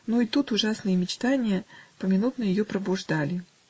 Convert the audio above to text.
но и тут ужасные мечтания поминутно ее пробуждали.